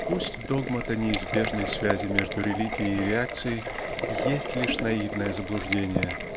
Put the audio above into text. Пусть догмат о неизбежной связи между религией и реакцией есть лишь наивное заблуждение